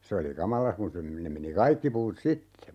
se oli kamala kun se ne meni kaikki puut sitten